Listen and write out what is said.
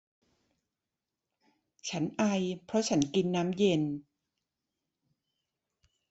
ฉันไอเพราะฉันกินน้ำเย็น